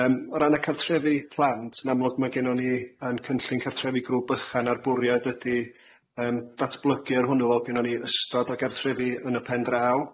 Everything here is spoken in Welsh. Yym o ran y cartrefi plant yn amlwg ma' gennon ni yn cynllun cartrefi grŵp bychan a'r bwriad ydi yym datblygu ar hwnnw fel fo' gennon ni ystod o gartrefi yn y pen draw.